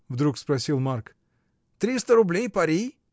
— вдруг спросил Марк, — триста рублей пари?